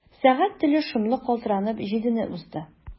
Сәгать теле шомлы калтыранып җидене узды.